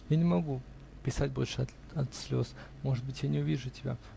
Я не могу писать больше от слез. Может быть, я не увижу тебя.